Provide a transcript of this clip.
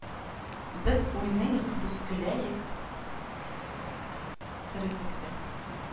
Без уйныек, без көләек тереклектә